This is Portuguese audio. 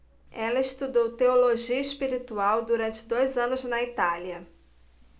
ela estudou teologia espiritual durante dois anos na itália